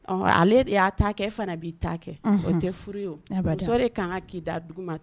Ɔ ale de y'a ta kɛ fana b'i ta kɛ o tɛ furu ye atɔ de ka kan ka k'i da dugu ma